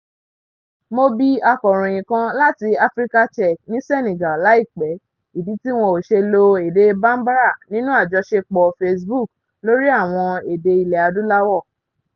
Mo bi akọ̀ròyìn kan láti Africa Check ní Senegal láìpẹ́ ìdí tí wọn ò ṣe lo èdè Bambara nínú àjọṣepọ̀ Facebook lórí àwọn èdè ilẹ̀ Adúláwọ̀.